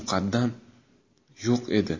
muqaddam yo'q edi